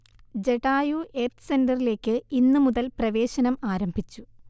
Jatayu Earth's സെന്ററിലേക്ക് ഇന്ന് മുതൽ പ്രവേശനം ആരംഭിച്ചു